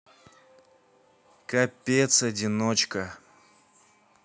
капец одиночка